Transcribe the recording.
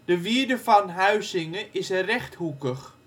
wierde van Huizinge is rechthoekig